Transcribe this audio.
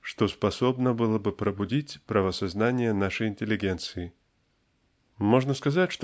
что способно было бы пробудить правосознание нашей интеллигенции. Можно сказать